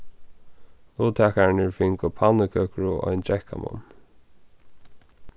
luttakararnir fingur pannukøkur og ein drekkamunn